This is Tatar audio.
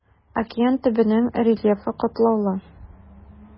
Океан төбенең рельефы катлаулы.